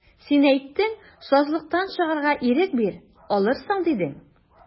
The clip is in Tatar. Син әйттең, сазлыктан чыгарга ирек бир, алырсың, дидең.